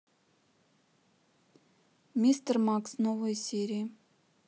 мистер макс новые серии